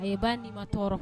A ye ba nin ma tɔɔrɔɔrɔ